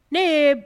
Ne